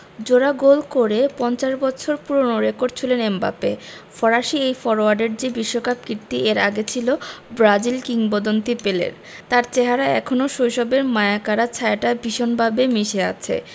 জোড়া গোল করে ৫০ বছর পুরোনো রেকর্ড ছুঁলেন এমবাপ্পে ফরাসি এই ফরোয়ার্ডের যে বিশ্বকাপ কীর্তি এর আগে ছিল ব্রাজিল কিংবদন্তি পেলের তাঁর চেহারায় এখনো শৈশবের মায়াকাড়া ছায়াটা ভীষণভাবে মিশে আছে